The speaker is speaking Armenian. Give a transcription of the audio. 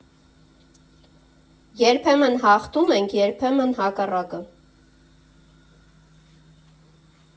Երբեմն հաղթում ենք, երբեմն՝ հակառակը։